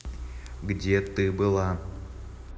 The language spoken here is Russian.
где ты была